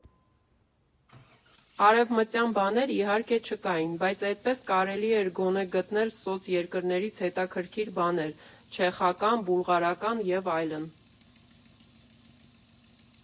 Արևմտյան բաներ իհարկե չկային, բայց էդպես կարելի էր գոնե գտնել սոցերկրներից հետաքրքիր բաներ՝ չեխական, բուլղարական և այլն։